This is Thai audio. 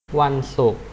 วันศุกร์